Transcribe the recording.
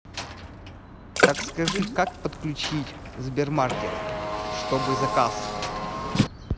так скажи как подключить сбермаркет чтобы заказ